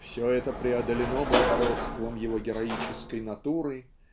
все это преодолено благородством его героической натуры.